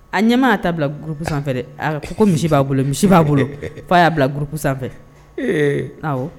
A ɲɛmaa ta bila goupe sanfɛ dɛ aa ko ko misi b'a bolo misi b'a bolo f'a y'a bila groupe sanfɛ ee awɔ